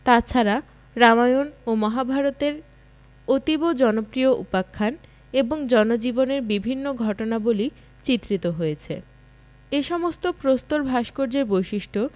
তাছাড়া রামায়ণ ও মহাভারত এর অতীব জনপ্রিয় উপাখ্যান এবং জনজীবনের বিভিন্ন ঘটনাবলি চিত্রিত হয়েছে এ সমস্ত প্রস্তর ভাস্কর্যের বৈশিষ্ট্য